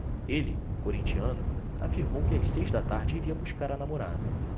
ele corintiano afirmou que às seis da tarde iria buscar a namorada